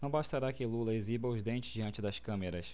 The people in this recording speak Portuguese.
não bastará que lula exiba os dentes diante das câmeras